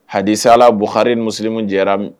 Hadisa ala bon harmussirimu jɛra